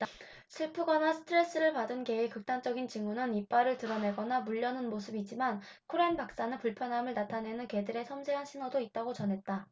슬프거나 스트레스를 받은 개의 극단적인 징후는 이빨을 드러내거나 물려는 모습이지만 코렌 박사는 불편함을 나타내는 개들의 섬세한 신호도 있다고 전했다